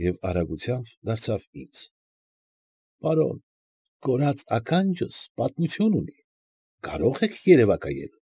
Եվ արագությամբ դարձավ ինձ. ֊ Պարոն, կորած ականջս պատմություն ունի, կարո՞ղ եք երևակայել։ ֊